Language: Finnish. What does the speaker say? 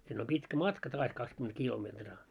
sinne on pitkä matka taas kaksikymmentä kilometriä